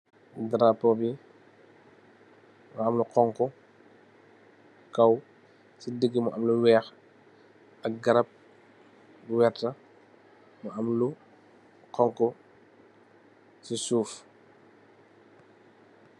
Daraapo bi fa ham lu xonxu si kaw, digg mu am lu weex, ak garab bu werta, mu am lu xonxu si suuf.